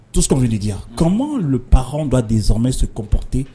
Tout ce qu'on vient de dire comment le parent doit désormais se comporter